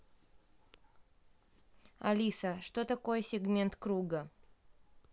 алиса что такое сегмент круга